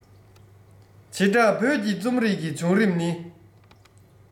བྱེ བྲག བོད ཀྱི རྩོམ རིག གི བྱུང རིམ ནི